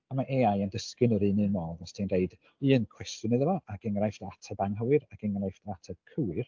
A mae AI yn dysgu'n yr un un modd os ti'n roid un cwestiwn iddo fo ac enghraifft o ateb anghywir, ac enghraifft o ateb cywir.